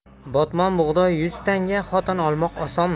botmon bug'doy yuz tanga xotin olmoq osonmi